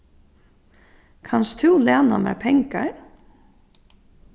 kanst tú læna mær pengar